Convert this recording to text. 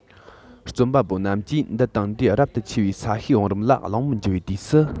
རྩོམ པ པོ རྣམས ཀྱིས འདི དང དེའི རབ ཏུ ཆེ བའི ས གཤིས བང རིམ ལ གླེང མོལ བགྱི བའི དུས སུ